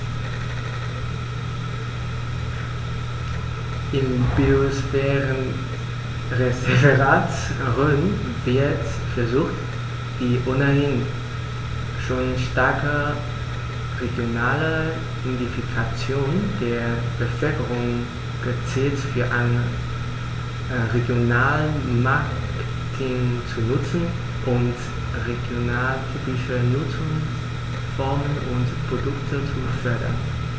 Im Biosphärenreservat Rhön wird versucht, die ohnehin schon starke regionale Identifikation der Bevölkerung gezielt für ein Regionalmarketing zu nutzen und regionaltypische Nutzungsformen und Produkte zu fördern.